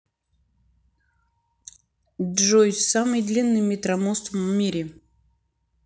джой самый длинный метромост в мире